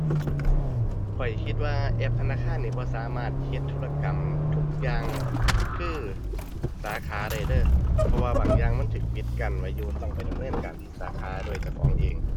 ข้อยคิดว่าแอปธนาคารนี่บ่สามารถเฮ็ดธุรกรรมทุกอย่างคือสาขาได้เด้อ เพราะว่าบางอย่างมันถูกปิดกั้นไว้อยู่ ต้องไปดำเนินการที่สาขาด้วยเจ้าของเอง